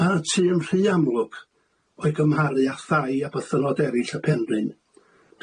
Ma' y tŷ yn rhy amlwg o'i gymharu â thai a bythynod er'ill y penrhyn.